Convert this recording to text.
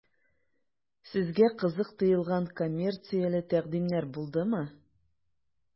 Сезгә кызык тоелган коммерцияле тәкъдимнәр булдымы?